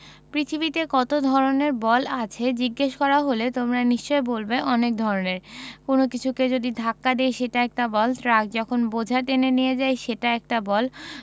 পৃথিবীতে কত ধরনের বল আছে জিজ্ঞেস করা হলে তোমরা নিশ্চয়ই বলবে অনেক ধরনের কোনো কিছুকে যদি ধাক্কা দিই সেটা একটা বল ট্রাক যখন বোঝা টেনে নিয়ে যায় সেটা একটা বল